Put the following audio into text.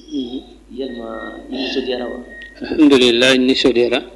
Unhun, yali, i ni nisɔndiyara wa? Alhamdulilayi nisɔndiyara.